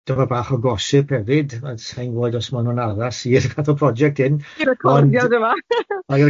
Dyma bach o gossip hefyd, ond sai'n gwbod os maen nw'n addas i'r at y project hyn... I'r recordiad yma...